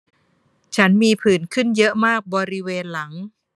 ฉันมีผื่นขึ้นเยอะมากบริเวณหลัง